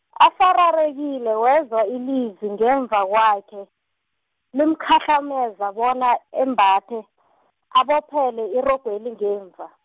asararekile wezwa ilizwi ngemva kwakhe, limkhahlameza bona embathe , abophele irogweli ngemva.